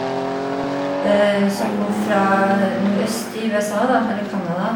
Som kom fra nordøst i USA, da, eller Canada.